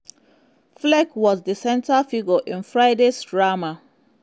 Flake was the central figure in Friday's drama.